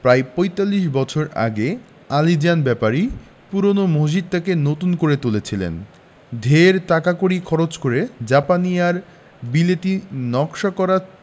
প্রায় পঁয়তাল্লিশ বছর আগে আলীজান ব্যাপারী পূরোনো মসজিদটাকে নতুন করে তুলেছিলেন ঢের টাকাকড়ি খরচ করে জাপানি আর বিলেতী নকশা করা